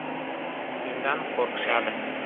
sendan qo'rqishadi